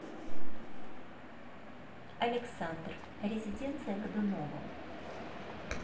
александр резиденция годунова